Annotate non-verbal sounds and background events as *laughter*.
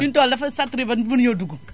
fim mu toll dafa saturé ba mënuñu dugg *noise*